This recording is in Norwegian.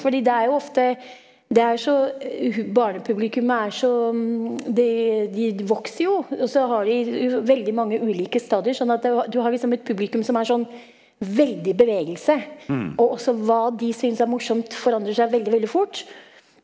fordi det er jo ofte det er jo så barnepublikummet er så det de vokser jo også har de veldig mange ulike stadier, sånn at det du har liksom et publikum som er sånn veldig i bevegelse og også hva de synes er morsomt forandrer seg veldig veldig fort.